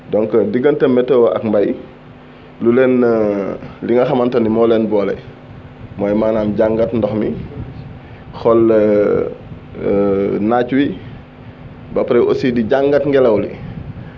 donc diggante météo ak mbay lu leen li nga xamante ni moo leen boole mooy maanaam jàngat ndox mi xool naaj wi ba pare aussi di jàngat ngelaw li